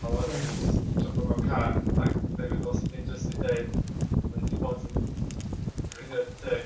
Ond roeddwn i jyst jympo mewn car ac dreifio dros y ffin jyst i deud bod ni 'di bod yn Gweriniaeth Tsiec.